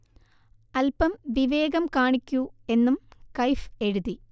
'അൽപം വിവേകം കാണിക്കൂ' എന്നും കയ്ഫ് എഴുതി